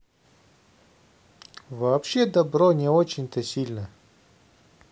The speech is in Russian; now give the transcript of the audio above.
вообще добро не очень то сильно